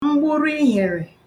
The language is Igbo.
mgburuihìèrè